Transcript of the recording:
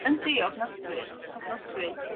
Yndi ofnadwy, ofnadwy.